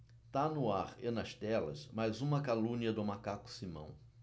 tá no ar e nas telas mais uma calúnia do macaco simão